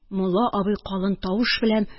Мулла абый калын тавыш белән: